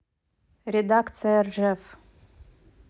редакция ржев